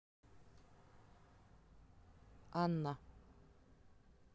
анна